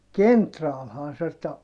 kenraalihan se -